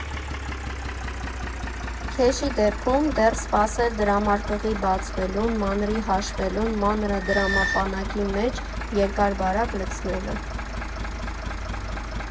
Քեշի դեպքում՝ դեռ սպասել դրամարկղի բացվելուն, մանրի հաշվելուն, մանրը դրամապանակի մեջ երկար֊բարակ լցնելը…